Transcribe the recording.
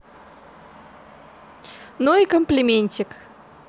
ну и комплиментик